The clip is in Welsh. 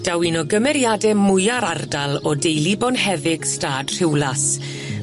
Daw un o gymeriade mwya'r ardal o deulu bonheddig stad Rhiwlas.